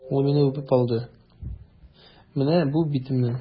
Ул мине үбеп алды, менә бу битемнән!